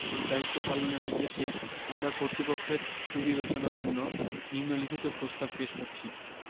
ও দায়িত্ব পালনের উদ্দেশ্যে আমরা কর্তৃপক্ষের সুবিবেচনার জন্য নিন্ম লিখিত প্রস্তাব পেশ করছি